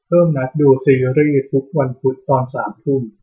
เพิ่มนัดดูซีรีย์ทุกวันพุธตอนสามทุ่ม